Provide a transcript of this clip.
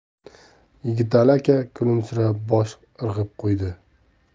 yigitali aka kulimsirab bosh irg'ab qo'ydi